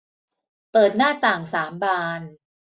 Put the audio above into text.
เปิดหน้าต่างสามบาน